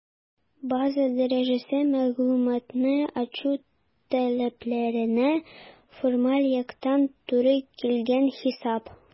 «база дәрәҗәсе» - мәгълүматны ачу таләпләренә формаль яктан туры килгән хисап.